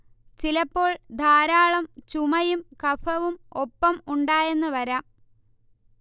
ചിലപ്പോൾ ധാരാളം ചുമയും കഫവും ഒപ്പം ഉണ്ടായെന്ന് വരാം